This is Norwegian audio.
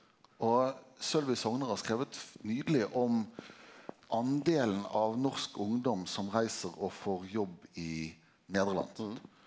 og Sølvi Sogner har skrive nydeleg om andelen av norsk ungdom som reiser og får jobb i Nederland sant.